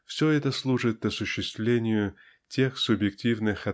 -- все это служит осуществлению тех субъективных